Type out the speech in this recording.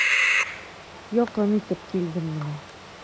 Якын итеп килдем менә.